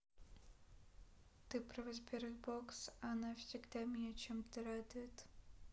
ты про sberbox она всегда меня чем то радует